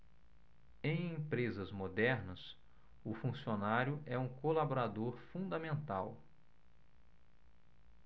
em empresas modernas o funcionário é um colaborador fundamental